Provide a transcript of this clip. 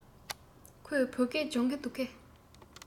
ཁོས བོད སྐད སྦྱོང གི འདུག གས